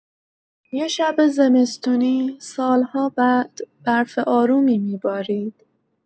یه شب زمستونی، سال‌ها بعد، برف آرومی می‌بارید.